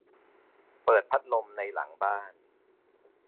เปิดพัดลมในหลังบ้าน